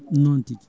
noon tigui